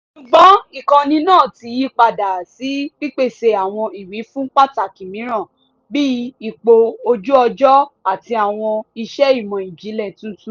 Ṣùgbọ́n ìkànnì náà ti yí padà sí pípèsè àwọn ìwífún pàtàkì mìíràn, bíi ipò ojú-ọjọ́ àti àwọn ìṣe ìmọ̀-ìjìnlẹ̀ tuntun.